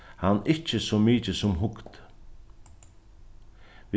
hann ikki so mikið sum hugdi